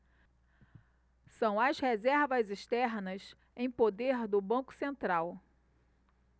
são as reservas externas em poder do banco central